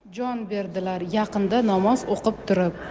jon berdilar yaqinda namoz o'qib turib